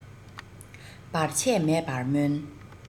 བར ཆད མེད པར སྨོན